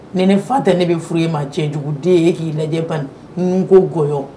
Ni ne fa tɛ ne bɛ furu ye ma cɛjuguden in e k'i lajɛ bani nun ko nkɔyɔ